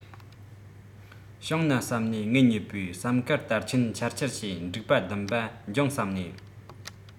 བྱུང ན བསམས ནས ངེད གཉིས པོས བསམ དཀར དར ཆེན འཕྱར འཕྱར བྱས འགྲིག པ སྡུམ པ འབྱུང བསམ ནས